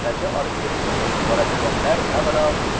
nasha olib kelish uchun boradiganlar avvalo